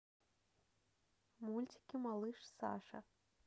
мультики малыш саша